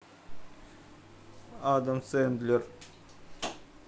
адам сэндлер